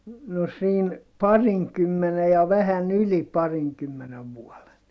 no siinä parinkymmenen ja vähän yli parinkymmenen vuoden